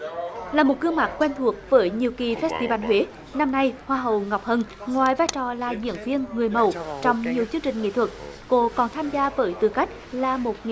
là một gương mặt quen thuộc với nhiều kỳ phét ti van huế năm nay hoa hậu ngọc hân ngoài vai trò là diễn viên người mẫu trong nhiều chương trình nghệ thuật cô còn tham gia với tư cách là một nghệ